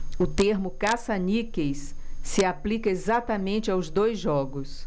o termo caça-níqueis se aplica exatamente aos dois jogos